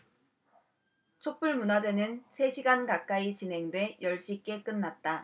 촛불 문화제는 세 시간 가까이 진행돼 열 시께 끝났다